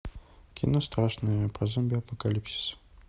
кино страшное про зомби апокалипсис